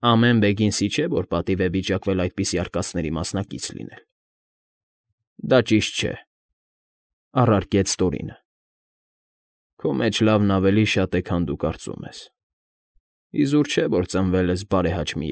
Ամեն Բեգինսի չէ, որ պատիվ է վիճակվել այդպիսի արկածների մասնակից լինել։ ֊ Դա ճիշտ չէ…֊ առարկեց Տորինը։֊ Քո մեջ լավն ավելի շատ է, քան դու կարծում ես, իզուր չէ, որ ծնվել ես բարեհաճ մի։